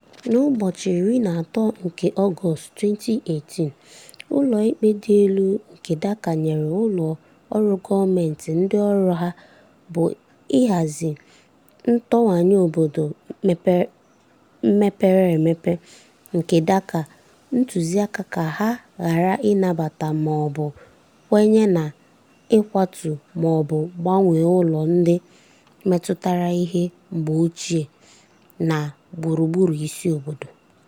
N'ụbọchị 13 nke Ọgọstụ, 2018, Ụlọ Ikpe Dị Elu nke Dhaka nyere ụlọ ọrụ gọọmentị ndị ọrụ ha bụ ịhazi ntonwanye obodo mepere emepe na Dhaka ntụziaka ka ha ghara ịnabata ma ọ bụ kwenye na nkwatu ma ọ bụ mgbanwe ụlọ ndị metụtara ihe mgbe ochie ns gburugburu isi obodo.